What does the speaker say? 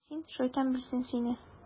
Син, шайтан белсен сине...